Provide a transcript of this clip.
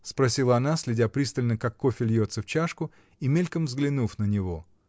— спросила она, следя пристально, как кофе льется в чашку, и мельком взглянув на него.